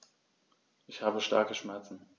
Ich habe starke Schmerzen.